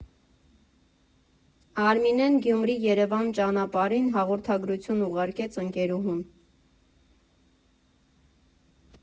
Արմինեն Գյումրի֊Երևան ճանապարհին հաղորդագրություն ուղարկեց ընկերուհուն.